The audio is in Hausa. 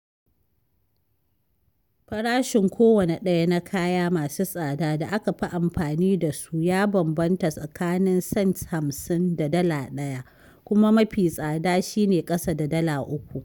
Farashin kowane ɗaya na kaya masu tsada da aka fi amfani da su ya bambanta tsakanin cents 50 da Dala 1 kuma mafi tsada shi ne ƙasa da Dala 3.